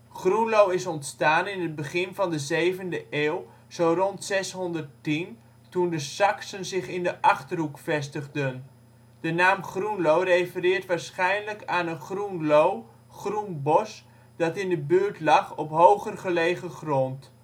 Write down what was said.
Groenlo is ontstaan in het begin van de zevende eeuw, zo rond 610, toen de Saksen zich in de Achterhoek vestigden. De naam Groenlo refereert waarschijnlijk aan een groen loo, groen bos, dat in de buurt lag op hoger gelegen grond